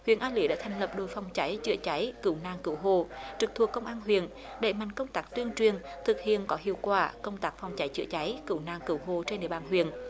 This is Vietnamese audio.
huyện a lưới đã thành lập đội phòng cháy chữa cháy cứu nạn cứu hộ trực thuộc công an huyện đẩy mạnh công tác tuyên truyền thực hiện có hiệu quả công tác phòng cháy chữa cháy cứu nạn cứu hộ trên địa bàn huyện